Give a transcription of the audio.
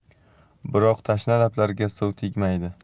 biroq tashna lablarga suv tegmaydi